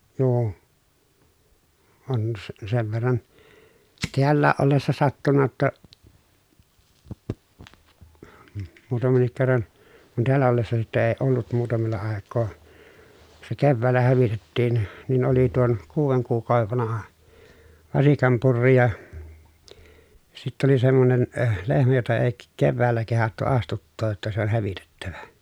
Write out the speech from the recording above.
- on - sen verran täällä ollessa sattunut jotta muutamankin kerran kun täällä ollessa sitten - ollut muutamalla aikaa se keväällä hävitettiin niin oli tuon kuuden kuukauden vanha vasikan purri ja sitten oli semmoinen - lehmä jota ei - keväällä kehdattu astuttaa jotta se on hävitettävä